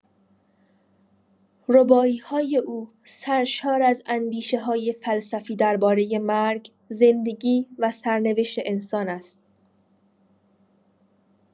رباعی‌های او سرشار از اندیشه‌های فلسفی درباره مرگ، زندگی و سرنوشت انسان است.